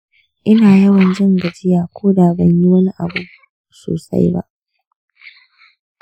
ina yawan jin gajiya ko da ban yi wani abu sosai ba.